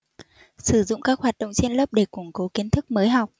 sử dụng các hoạt động trên lớp để củng cố kiến thức mới học